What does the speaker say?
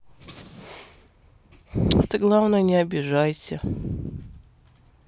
ты главное не обижайся